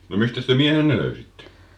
no mistäs te miehenne löysitte